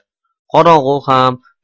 qorong'i ham